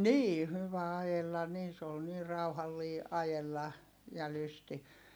niin hyvä ajella niin se oli niin rauhallinen ajella ja lysti